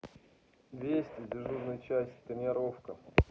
вести дежурная часть тонировка